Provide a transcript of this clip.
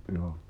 joo